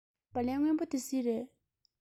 སྦ ལན སྔོན པོ འདི སུའི རེད